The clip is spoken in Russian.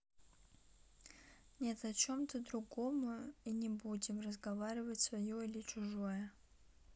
нет о чем то другому и не будем разговаривать свое или чужое